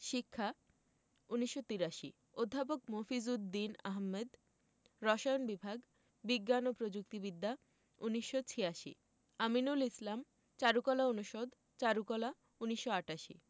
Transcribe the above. শিক্ষা ১৯৮৩ অধ্যাপক মফিজ উদদীন আহমেদ রসায়ন বিভাগ বিজ্ঞান ও প্রযুক্তি বিদ্যা ১৯৮৬ আমিনুল ইসলাম চারুকলা অনুষদ চারুকলা ১৯৮৮